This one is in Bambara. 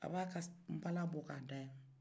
a b'a ka npalan bɔ k'a da yan